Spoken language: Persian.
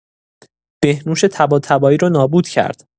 بهنوش طباطبایی رو نابود کرد.